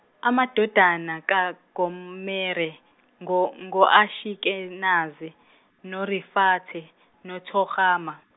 amadodana kaGomere, ngo ngo Ashikenaze, noRifate, noThogarma.